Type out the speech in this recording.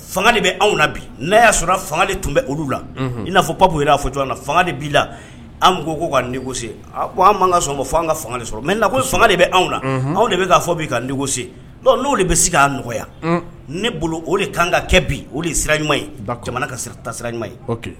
Fanga de bɛ anw na bi n'a y'a sɔrɔ fanga de tun bɛ olu la i'a fɔ pa'a fɔ jɔn na fanga de b' la an ko ko k'go an'an ka so fo'an ka fanga sɔrɔ mɛ na ko fanga de bɛ anw na aw de bɛ k ka fɔ' kagose n'o de bɛ sigi k'a nɔgɔya ne bolo o de kanan ka kɛ bi o de sira ɲuman ye jamana ka tansira ɲuman ye